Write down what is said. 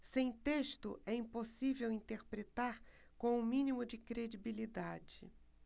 sem texto é impossível interpretar com o mínimo de credibilidade